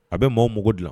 A bɛ maaw mugu dilan